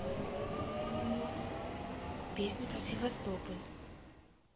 песня про севастополь